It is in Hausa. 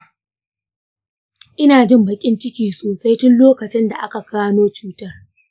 ina jin baƙin ciki sosai tun lokacin da aka gano cutar.